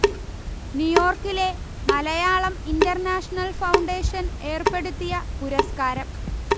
ന്യൂയോർക്കിലെ Malayalam international foundation ഏർപ്പെടുത്തിയ പുരസ്കാരം